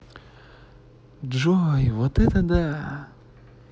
джой вот это да